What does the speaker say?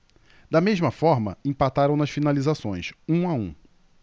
da mesma forma empataram nas finalizações um a um